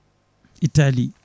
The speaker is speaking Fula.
Italie